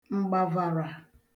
mgbàvàrà